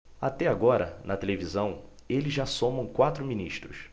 até agora na televisão eles já somam quatro ministros